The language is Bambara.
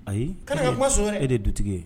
Ayi, kana n ka kuma sɔs dɛ. E de ye dugutigi ye